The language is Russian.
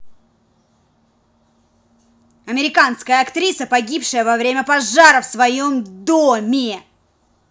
американская актриса погибшая во время пожара в своем доме